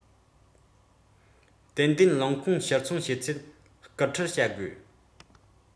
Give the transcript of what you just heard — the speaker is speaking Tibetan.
ཏན ཏན རླངས འཁོར ཕྱིར ཚོང བྱེད ཚད སྐུལ ཁྲིད བྱ དགོས